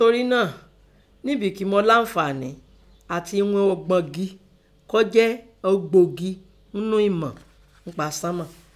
Ńtorí náà, nígbì kí mọ láǹfààní áti ún ìnan ògbógi kọ́ jẹ́ ògbógi ńnú ẹ̀mọ̀ ńpa sánmọ̀n.